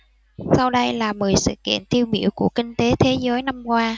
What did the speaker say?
sau đây là mười sự kiện tiêu biểu của kinh tế thế giới năm qua